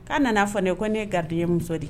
K'a nana fɔ ye ko ne ye garidi ye muso de ye